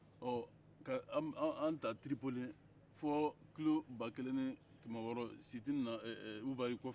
k'an ta tiripoli fo kilo ba kelen ani kɛmɛ wɔɔrɔ sitini na iwari kɔfɛ